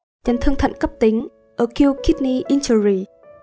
chấn thương thận cấp tính